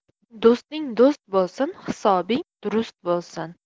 do'sting do'st bo'lsin hisobing durust bo'lsin